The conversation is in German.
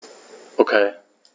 Okay.